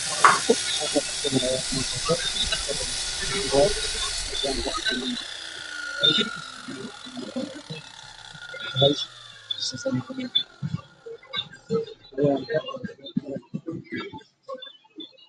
Waa naag wadato Masar jaalo ah kuraas